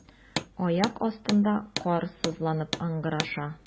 Аяк астында кар сызланып ыңгыраша.